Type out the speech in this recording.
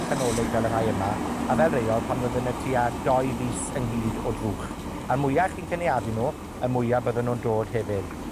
chanolig fel y rhai yma, a fel reol, pan fydde nw tua dou fis ynghyd o drwch. A mwya chi'n cynaeafu nw, y mwya bydden nw'n dod hefyd.